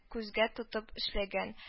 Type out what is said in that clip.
Күзгә тотып эшләнгән